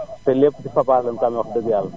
te lépp ci Fapal lañu ko amee wax dëgg Yàlla